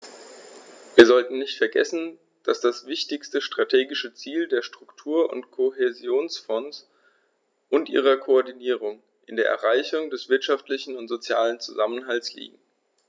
Wir sollten nicht vergessen, dass das wichtigste strategische Ziel der Struktur- und Kohäsionsfonds und ihrer Koordinierung in der Erreichung des wirtschaftlichen und sozialen Zusammenhalts liegt.